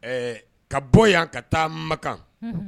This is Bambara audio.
Ka bɔ yan ka taa makan